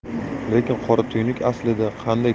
lekin qora tuynuk aslida qanday